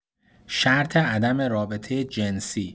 شرط عدم رابطه جنسی